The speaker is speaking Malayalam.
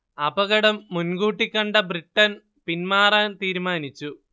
അപകടം മുൻകൂട്ടി കണ്ട ബ്രിട്ടൻ പിന്മാറാൻ തീരുമാനിച്ചു